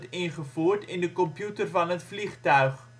ingevoerd in de computer van het vliegtuig